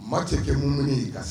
Maa tigɛ kɛ ŋuni ye ka se